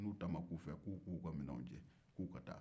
ko n'u ta ma k'u fɛ k'u ka u ka minɛw cɛ k'u ka taa